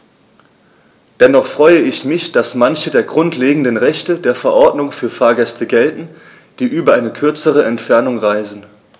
Dennoch freue ich mich, dass manche der grundlegenden Rechte der Verordnung für Fahrgäste gelten, die über eine kürzere Entfernung reisen.